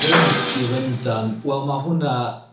fynd i Lundan wel ma hwnna